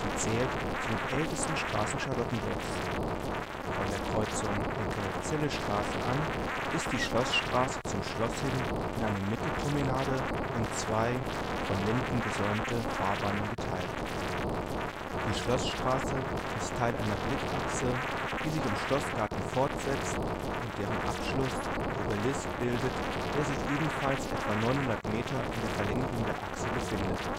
zählt zu den ältesten Straßen Charlottenburgs. Von der Kreuzung Ecke Zillestraße an ist die Schloßstraße zum Schloss hin in eine Mittelpromenade und zwei – von Linden gesäumte – Fahrbahnen geteilt. Die Schloßstraße ist Teil einer Blickachse, die sich im Schlossgarten fortsetzt und deren Abschluss der Obelisk bildet, der sich ebenfalls etwa 900 m in der Verlängerung der Achse befindet